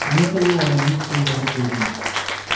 nimaga u odamning ko'zlari kurinayapti